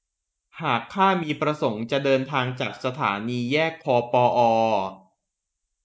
หากข้ามีประสงค์จะเดินทางจากสถานีแยกคอปอออ